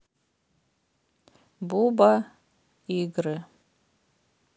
буба игры